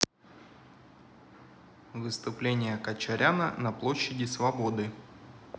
выступление качаряна на площади свободы